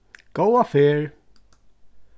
góða ferð